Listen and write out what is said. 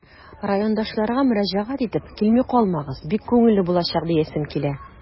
Райондашларга мөрәҗәгать итеп, килми калмагыз, бик күңелле булачак диясем килә.